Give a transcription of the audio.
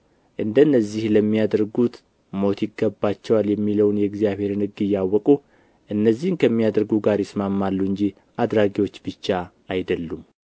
እንደነዚህ ለሚያደርጉት ሞት ይገባቸዋል የሚለውን የእግዚአብሔርን ሕግ እያወቁ እነዚህን ከሚያደርጉ ጋር ይስማማሉ እንጂ አድራጊዎች ብቻ አይደሉም